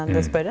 ja.